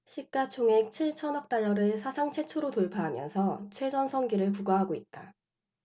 시가 총액 칠 천억 달러를 사상 최초로 돌파하면서 최전성기를 구가하고 있다